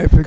effect